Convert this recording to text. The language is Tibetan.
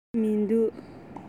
སླེབས མི འདུག